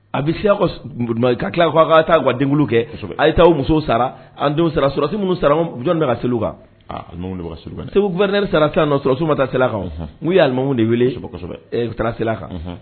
A bɛ seya ka tilaa ka taa ga den kɛ ye taa musow sara jɔn se kan segu vɛ sara sa soma ta sela kan n'u ye yalimamu de wele sela kan